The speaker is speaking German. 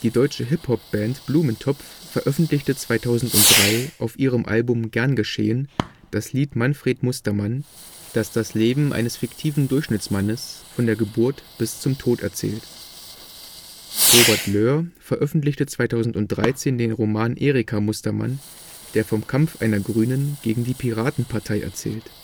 deutsche Hip-Hop Band Blumentopf veröffentlichte 2003 auf ihrem Album Gern geschehen das Lied Manfred Mustermann, das das Leben eines fiktiven Durchschnittsmannes von der Geburt bis zum Tod erzählt. Robert Löhr veröffentlichte 2013 den Roman Erika Mustermann, der vom Kampf einer Grünen gegen die Piratenpartei erzählt